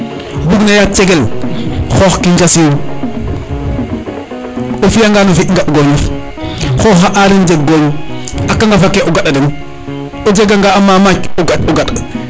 bug na yar cegel xoox ki njasiw o fiya ngan o fi nga goñof xoxa areer jeg gooñ a kangafa ke o ganda den o jega nga a mmac o gand